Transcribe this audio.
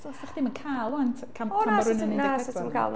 So 'sa chdi'm yn cael rŵan t- can- tan bod rywun yn 14 na.